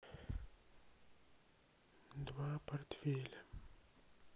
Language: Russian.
два портфеля